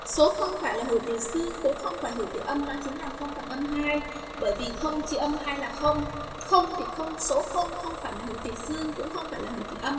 số không phải là hữu tỉ dương cũng không phải hữu tỉ âm đã chính là bởi vì không chịu âm hay là không không thì không số không phải là hữu tỉ dương cũng không phải là hình thức